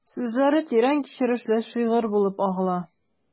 Сүзләре тирән кичерешле шигырь булып агыла...